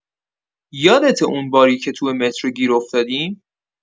یادته اون باری که توی مترو گیر افتادیم؟